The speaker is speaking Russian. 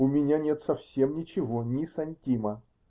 У меня нет совсем ничего, ни сантима.